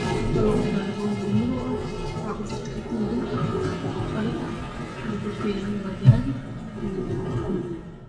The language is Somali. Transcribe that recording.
Waa bamba la madow waxaa ku jira kartiin midabkiisa iyo xiddihadi